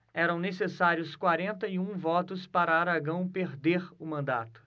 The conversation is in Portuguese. eram necessários quarenta e um votos para aragão perder o mandato